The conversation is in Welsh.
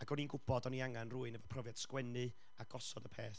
ac o'n i'n gwybod o'n i angen rywun efo profiad sgwennu, a gosod y peth.